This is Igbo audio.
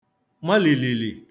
ma lìlìlì